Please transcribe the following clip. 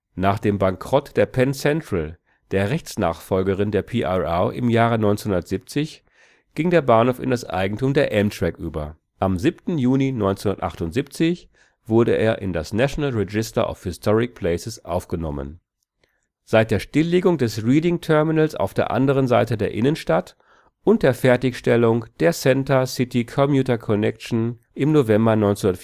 Nach dem Bankrott der Penn Central, der Rechtsnachfolgerin der PRR, im Jahre 1970 ging der Bahnhof in das Eigentum der Amtrak über. Am 7. Juni 1978 wurde er in das National Register of Historic Places aufgenommen. Seit der Stilllegung des Reading Terminals auf der anderen Seite der Innenstadt und der Fertigstellung der Center City Commuter Connection im November 1984